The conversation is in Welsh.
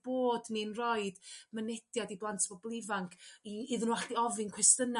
bod ni'n roid mynediad i blant bobol ifanc i iddyn n'w allu ofyn cwestiyna'